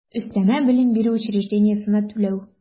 Өстәмә белем бирү учреждениесенә түләү